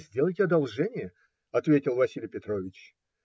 - Сделайте одолжение, - ответил Василий Петрович.